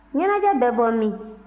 ɲɛnajɛ bɛ bɔ min